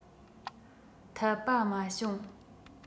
འཐད པ མ བྱུང